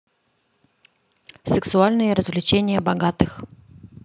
сексуальные развлечения богатых